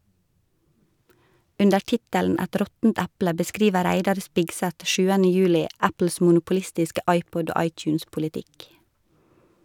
Under tittelen "Et råttent eple" beskriver Reidar Spigseth sjuende juli Apples monopolistiske iPod- og iTunes-politikk.